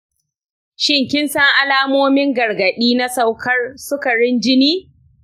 shin kin san alamomin gargaɗi na saukar sukarin jini?